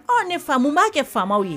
Ɔ ni faama b'a kɛ faamaw ye